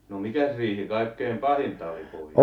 no mikäs riihi kaikkein pahinta oli puida